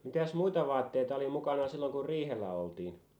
mitäs muita vaatteita oli mukana silloin kun riihellä oltiin